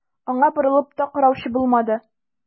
Аңа борылып та караучы булмады.